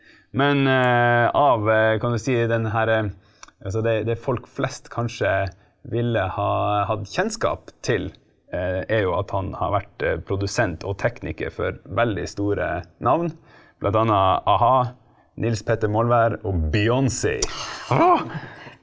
men av kan vi si den herre altså det det folk flest kanskje ville ha hatt kjennskap til er jo at han har vært produsent og tekniker for veldig store navn, bl.a. a-ha, Nils Petter Molvær og Beyonce å.